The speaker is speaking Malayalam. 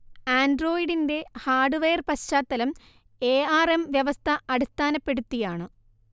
ആൻഡ്രോയ്ഡിന്റെ ഹാർഡ്‌വെയർ പശ്ചാത്തലം ഏ ആർ എം വ്യവസ്ഥ അടിസ്ഥാനപ്പെടുത്തിയാണ്